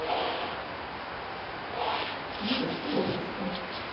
новости общества